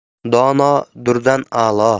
dono durdan a'lo